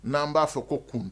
N'an b'a fɔ ko kun